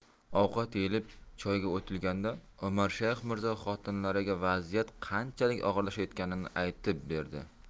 ovqat yeyilib choyga o'tilganda umarshayx mirzo xotinlariga vaziyat qanchalik og'irlashayotganini aytib berdi